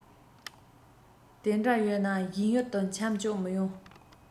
དེ འདྲ ཡོད ན གཞན ཡུལ དུ ཁྱམས བཅུག མི ཡོང